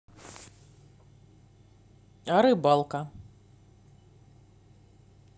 а рыбалка